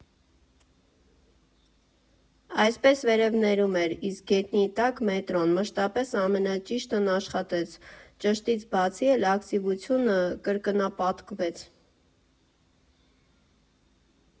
Այսպես վերևներում էր, իսկ գետնի տակ՝ մետրոն մշտապես ամենաճիշտն աշխատեց, ճշտից բացի էլ ակտիվությունը կրկնապատկեց։